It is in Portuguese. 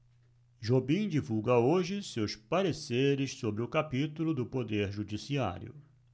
jobim divulga hoje seus pareceres sobre o capítulo do poder judiciário